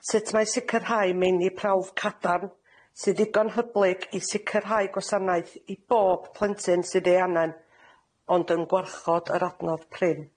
Sut mae sicrhau meini prawf cadarn sydd ddigon hyblyg i sicrhau gwasanaeth i bob plentyn sydd ei anen, ond yn gwarchod yr adnodd prin?